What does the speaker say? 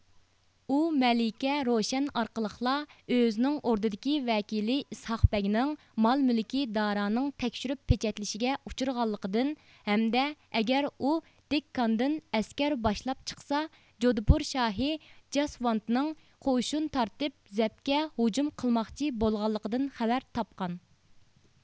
ئۇ مەلىكە روشەن ئارقىلىقلا ئۆزىنىڭ ئوردىدىكى ۋەكىلى ئىسھاقبەگنىڭ مال مۈلكى دارانىڭ تەكشۈرۈپ پېچەتلىشىگە ئۇچرىغانلىقىدىن ھەمدە ئەگەر ئۇ دېككاندىن ئەسكەر باشلاپ چىقسا جودپۇر شاھى جاسۋانتنىڭ قوشۇن تارتىپ زەپكە ھۇجۇم قىلماقچى بولغانلىقىدىن خەۋەر تاپقان